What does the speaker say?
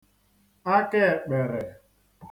akaēkpèrè